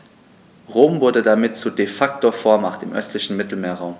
Rom wurde damit zur ‚De-Facto-Vormacht‘ im östlichen Mittelmeerraum.